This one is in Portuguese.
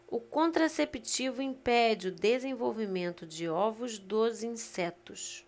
o contraceptivo impede o desenvolvimento de ovos dos insetos